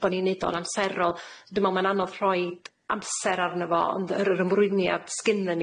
Bo' ni'n neud o'n amserol. Dwi me'wl ma'n anodd rhoid amser arno fo, ond yr yr ymrwyniad s'ginnyn ni